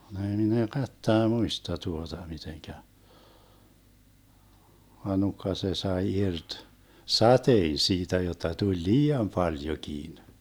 muista tuota miten vaan nukka se sai irti sateen siitä jotta tuli liian paljonkin